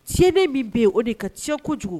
Cilen bɛ bɛn yen o de ka tiɲɛ kojugu